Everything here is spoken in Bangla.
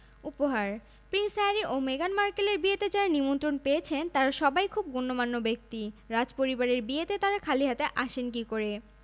বাটার ক্রিম ও তাজা ফুল দিয়ে সাজানো সেই কেকে থাকবে বসন্তের ছোঁয়া বাকি খাবারের নাম এখনো অজানাই রয়েছে বিয়ের নৈশভোজে আমন্ত্রিত ব্যক্তিরাই কেবল সেসব খাবারের স্বাদ চেখে দেখতে পারবেন